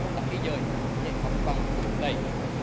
tác di dời giải phóng mặt bằng khu vực này